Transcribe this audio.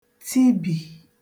tibì